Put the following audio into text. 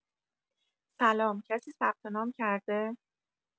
سلام کسی ثبت‌نام کرده؟